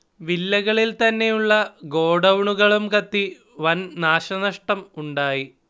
വില്ലകളിൽ തന്നെയുള്ള ഗോഡൗണുകളും കത്തി വൻ നാശന്ഷടം ഉണ്ടായി